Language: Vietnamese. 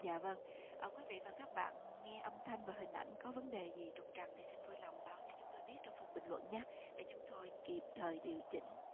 dạ vâng ờ quý vị và các bạn nghe âm thanh và hình ảnh có vấn đề gì trục trặc thì xin vui lòng báo cho chúng tôi biết trong phần bình luận nhé để chúng tôi kịp thời điều chỉnh